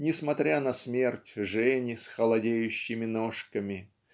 несмотря на смерть Жени с холодеющими ножками